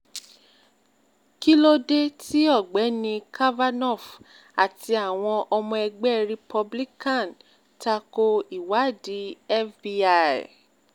Kí ló dé tí Ọ̀gbẹ́ni Kavanaugh àti àwọn ọmọ ẹgbẹ́ Republican tako ìwádìí FBI?